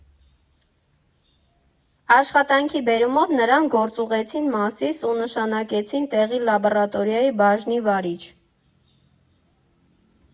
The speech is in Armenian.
Աշխատանքի բերումով նրան գործուղեցին Մասիս ու նշանակեցին տեղի լաբորատորիայի բաժնի վարիչ։